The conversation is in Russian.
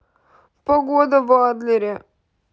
погода в адлере